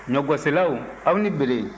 ɲɔgosilaw aw ni bere